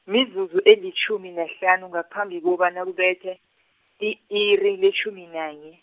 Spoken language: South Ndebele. mizuzu elitjhumi nahlanu ngaphambi kobana kubethe, i-iri letjhumi nanye.